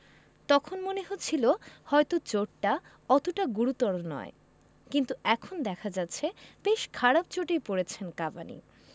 তখন মনে হচ্ছিল হয়তো চোটটা অতটা গুরুতর নয় কিন্তু এখন দেখা যাচ্ছে বেশ খারাপ চোটেই পড়েছেন কাভানি